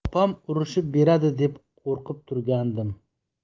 opam urishib beradi deb qo'rqib turgandim